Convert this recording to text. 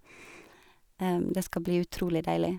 Det skal bli utrolig deilig.